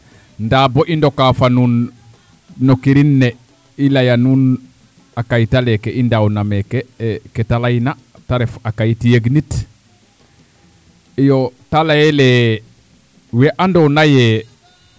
ndaa boo i ndokaa fa nuun no kirin ne i laya nuun a kayta leeke i ndaawna meeke keta layna te ref a kayit yegnit iyo te layel ae wee andoona yee